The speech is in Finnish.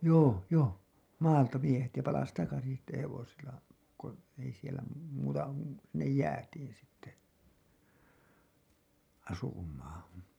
joo joo maalta miehet ja palasi takaisin sitten hevosilla kun ei siellä muuta sinne jäätiin sitten asumaan